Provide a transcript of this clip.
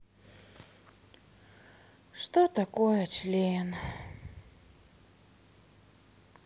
что такое член